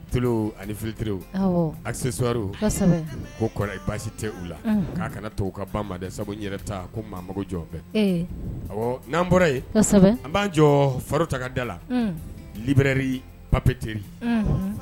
Te ani fitiri asesori ko kɔrɔ baasi tɛ u la k'a kana to ka band sabu yɛrɛ ta ko maa mago jɔbɛ n'an bɔra yen an b'an jɔ fari taga da la libri pap teriri